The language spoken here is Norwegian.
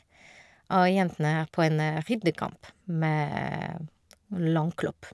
Og jentene er på en ridecamp med Langklopp.